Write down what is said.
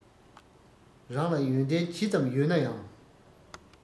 རང ལ ཡོན ཏན ཇི ཙམ ཡོད ན ཡང